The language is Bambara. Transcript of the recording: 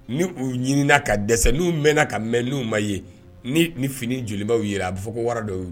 Ni u ɲinina ka dɛsɛ, n'u mɛnna ka mɛn n'u ma ye, ni ni fini jolimanw ye la. A bɛ fɔ ko wara de y'o